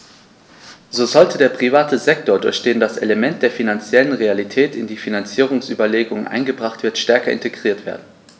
So sollte der private Sektor, durch den das Element der finanziellen Realität in die Finanzierungsüberlegungen eingebracht wird, stärker integriert werden.